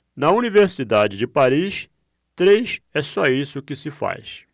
na universidade de paris três é só isso que se faz